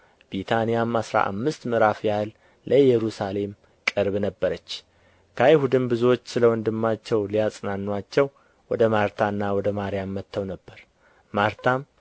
ቢታንያም አሥራ አምስት ምዕራፍ ያህል ለኢየሩሳሌም ቅርብ ነበረች ከአይሁድም ብዙዎች ስለ ወንድማቸው ሊያጽናኑአቸው ወደ ማርታና ወደ ማርያም መጥተው ነበር ማርታም